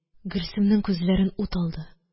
Гөлсемнең күзләрен ут алды